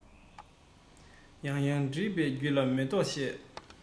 ཡང ཡང འདྲིས པས རྒྱུད ལ མེ ཏོག བཞད